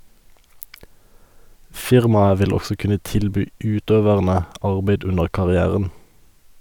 Firmaet vil også kunne tilby utøverne arbeid under karrieren.